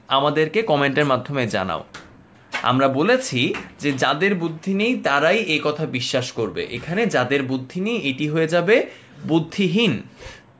আমাদেরকে কমেন্টের মাধ্যমে জানান আমরা বলেছি যে যাদের বুদ্ধি নেই তারা এই কথা বিশ্বাস করবে এখানে যাদের বুদ্ধি নেই এটি হয়ে যাবে বুদ্ধিহীন